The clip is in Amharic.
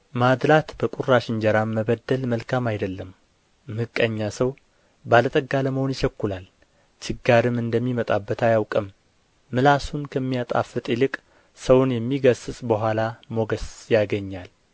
ማድላት በቍራሽ እንጀራም መበደል መልካም አይደለም ምቀኛ ሰው ባለጠጋ ለመሆን ይቸኵላል ችጋርም እንደሚመጣበት አያውቅም ምላሱን ከሚያጣፍጥ ይልቅ ሰውን የሚገሥጽ በኋላ ሞገስ ያገኛል